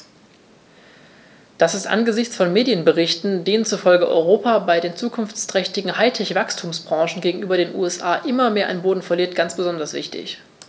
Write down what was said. Das ist angesichts von Medienberichten, denen zufolge Europa bei den zukunftsträchtigen High-Tech-Wachstumsbranchen gegenüber den USA immer mehr an Boden verliert, ganz besonders wichtig.